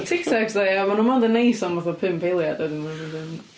Tic Tacs ddo ia, maen nhw mond yn neis am fatha pump eiliad, a wedyn maen nhw'n mynd yn...